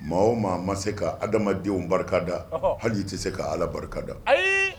Maa o maa ma se ka adamadenw barikada haliji tɛ se k ka ala barikada